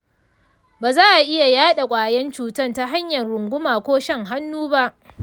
baza'a iya yaɗa ƙwayan cutan ta hanyan runguma ko shan hannu ba.